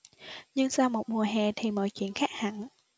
nhưng sau một mùa hè thì mọi chuyện khác hẳn